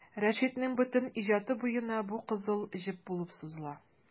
Рәшитнең бөтен иҗаты буена бу кызыл җеп булып сузыла.